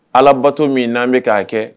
Ala bato min n' anan bɛ k'a kɛ